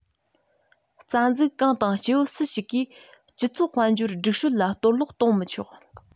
རྩ འཛུགས གང དང སྐྱེ བོ སུ ཞིག གིས སྤྱི ཚོགས དཔལ འབྱོར སྒྲིག སྲོལ ལ གཏོར བརླག གཏོང མི ཆོག